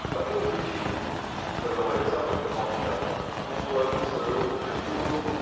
– По двум причинам, – сказал Александр, помолчав. Он положил свою руку на ее руку